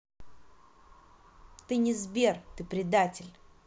ты не сбер ты предатель